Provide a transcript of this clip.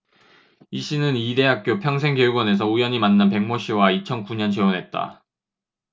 이씨는 이 대학교 평생교육원에서 우연히 만난 백모씨와 이천 구 년 재혼했다